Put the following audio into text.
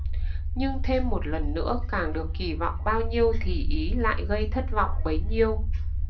nhưng thêm một lần nữa càng được kì vọng bao nhiêu thì ý lại gây thất vọng bấy nhiêu